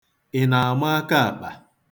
Ị na-ama akaakpa?